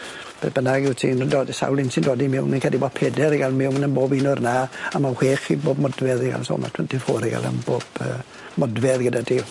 Be' bynnag wyt ti'n dod- sawl un sy'n dod i mewn rwy'n credu bo' peder i ga'l mewn yn bob un o'r 'na a ma' whech i bob modfedd i ga'l so ma' twenty four i ga'l yn bob yy modfedd gyda ti.